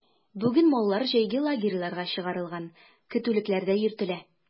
Бүген маллар җәйге лагерьларга чыгарылган, көтүлекләрдә йөртелә.